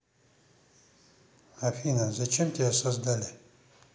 афина зачем тебя создали